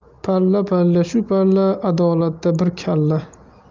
palla palla shu palla adolatda bir kalla